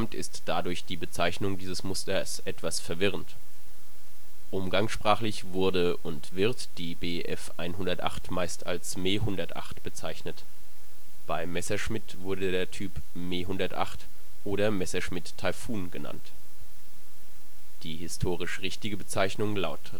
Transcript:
ist dadurch die Bezeichnung dieses Musters etwas verwirrend. Umgangssprachlich wurde und wird die Bf 108 meist als Me 108 bezeichnet. Bei Messerschmitt wurde der Typ Me 108 oder Messerschmitt Taifun genannt. Die historisch richtige Bezeichnung laut